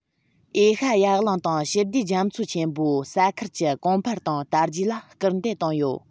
ཨེ ཤ ཡ གླིང དང ཞི བདེ རྒྱ མཚོ ཆེན པོའི ས ཁུལ གྱི གོང འཕེལ དང དར རྒྱས ལ སྐུལ འདེད བཏང ཡོད